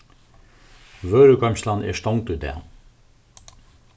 vørugoymslan er stongd í dag